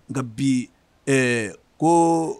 Nka bi ɛɛ ko